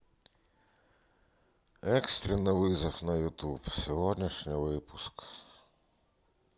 экстренный вызов на ютуб сегодняшний выпуск